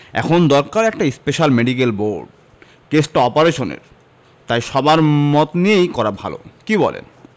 এখন দরকার একটা স্পেশাল মেডিকেল বোর্ড কেসটা অপারেশনের তাই সবার মত নিয়েই করা ভালো কি বলেন